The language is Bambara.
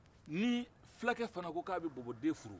ni fulakɛ fana ko k'a bɛ bɔbɔden furu